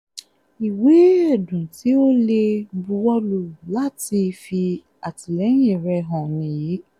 Ìwé ẹ̀dùn tí o lè buwọ́lù láti fi àtìlẹ́yìn rẹ hàn ní èyí.